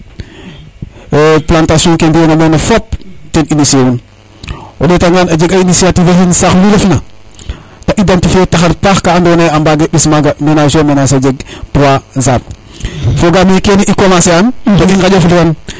plantation ke mbiye na mene fop ten initier un o ndeta ngan a jeg a initiative no saax lu ref na a identifier taxar paax ka ando naye a mbage ɓis maga menage o menage a jegg 3 arbres fogame kene i commencer an to i ngaƴa fuli ran